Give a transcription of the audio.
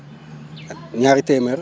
ak ñaari téeméer